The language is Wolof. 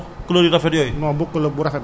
mooy lëppaalëb bu rafet boobu couleur yu rafet yooyu